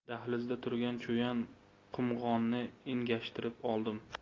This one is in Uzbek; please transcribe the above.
dahlizda turgan cho'yan qumg'onni engashtirib oldim